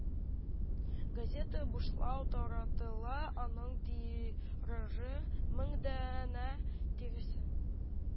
Газета бушлау таратыла, аның тиражы – мең данә тирәсе